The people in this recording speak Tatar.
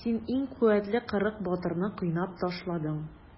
Син иң куәтле кырык батырны кыйнап ташладың.